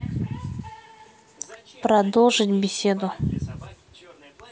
продолжить беседу